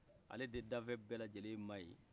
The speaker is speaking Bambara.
ale de ye danfɛn bɛlajɛle maye